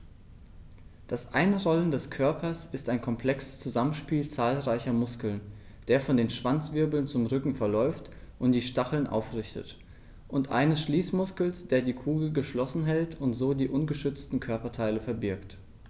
Das Einrollen des Körpers ist ein komplexes Zusammenspiel zahlreicher Muskeln, der von den Schwanzwirbeln zum Rücken verläuft und die Stacheln aufrichtet, und eines Schließmuskels, der die Kugel geschlossen hält und so die ungeschützten Körperteile verbirgt.